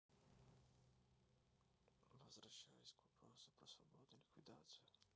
возвращаюсь к вопросу про свободную ликвидность